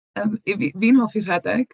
Yym, 'y fi... fi'n hoffi rhedeg.